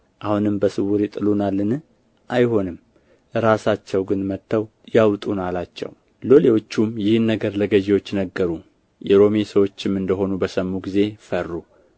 አሁንም በስውር ይጥሉናልን አይሆንም ራሳቸው ግን መጥተው ያውጡን አላቸው ሎሌዎቹም ይህን ነገር ለገዢዎች ነገሩ የሮሜ ሰዎችም እንደ ሆኑ በሰሙ ጊዜ ፈሩ